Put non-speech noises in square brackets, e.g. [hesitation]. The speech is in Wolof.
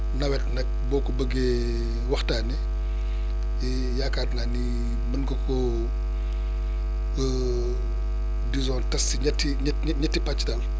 nawet nag boo ko bëggee [hesitation] waxtaanee [breath] [hesitation] yaakaar naa ni mun nga koo [hesitation] disons tas si ñetti ñetti ñetti pàcc daal